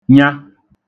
nya